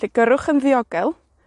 'Lly gyrrwch yn ddiogel,